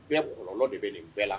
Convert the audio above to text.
Bɛ kɔrɔlɔlɔ de be nin bɛɛ la